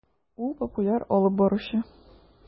Ул - популяр алып баручы.